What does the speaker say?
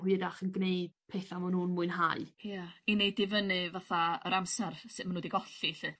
hwyrach yn gneud petha ma' nw'n mwynhau... Ia. ...i neud i fyny fatha yr amsar sy- ma' nw 'di golli 'lly.